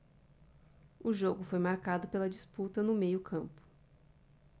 o jogo foi marcado pela disputa no meio campo